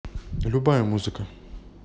любая музыка